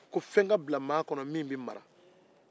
ko fɛn ka bila maa kɔnɔ min bɛ mara